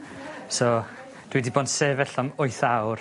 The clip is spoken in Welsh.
So dwi 'di bo'n sefyll am wyth awr.